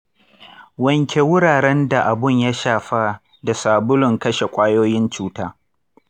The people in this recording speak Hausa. wanke wuraren da abun ya shafa da sabulun kashe ƙwayoyin cuta.